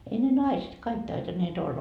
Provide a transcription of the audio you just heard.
ei ne naiset kaikki taitaneet olla